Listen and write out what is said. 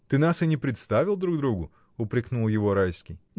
Ты нас и не представил друг другу! — упрекнул его Райский.